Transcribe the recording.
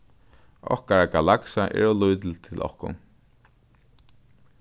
okkara galaksa er ov lítil til okkum